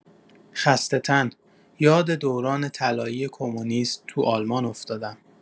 خسته تن: یاد دوران طلایی کمونیست تو آلمان افتادم.